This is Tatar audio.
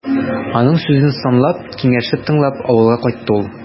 Аның сүзен санлап, киңәшен тыңлап, авылга кайтты ул.